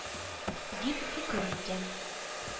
— дип хөкем иткән.